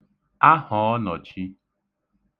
ahọ̀ọnọ̀chī